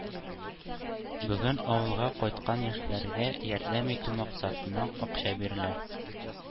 Бүген авылга кайткан яшьләргә ярдәм итү максатыннан акча бирелә.